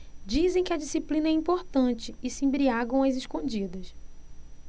dizem que a disciplina é importante e se embriagam às escondidas